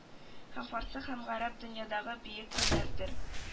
Һәм фарсы һәм гарәп дөньядагы бөек телләрдер